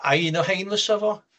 Ai un o rhein fyse fo?